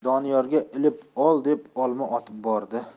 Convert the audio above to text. doniyorga ilib ol deb olma otib bordi